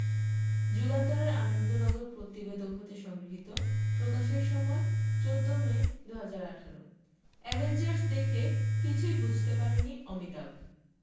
যুগান্তর এর আনন্দনগর প্রতিবেদক হতে সংগৃহীত প্রকাশের সময় ১৪ মে ২০১৮ অ্যাভেঞ্জার্স দেখে কিছুই বুঝতে পারেননি অমিতাভ